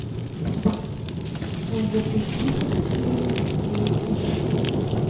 логопедические песни